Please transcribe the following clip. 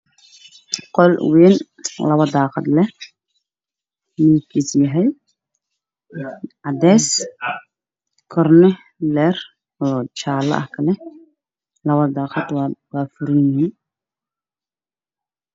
Meeshan waa meel hoola hoolka waxaa ku xiran nal caddaanna darbigiisu waa guduud iyo jaale isku jiro